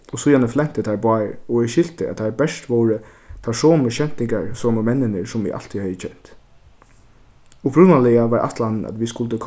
og síðani flentu teir báðir og eg skilti at teir bert vóru teir somu skemtingarsomu menninir sum eg altíð hevði kent upprunaliga var ætlanin at vit skuldu